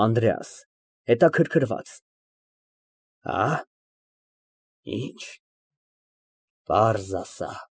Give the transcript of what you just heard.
ԱՆԴՐԵԱՍ ֊ (Հետաքրքրված) Ա՞, ի՞նչ, պարզ ասա։